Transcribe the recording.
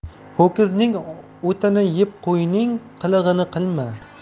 ho'kizning o'tini yeb qo'yning qilig'ini qilma